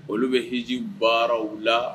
Olu bɛ hji baaraw la